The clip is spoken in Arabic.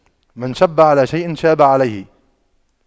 من شَبَّ على شيء شاب عليه